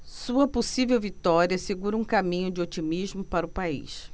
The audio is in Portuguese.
sua possível vitória assegura um caminho de otimismo para o país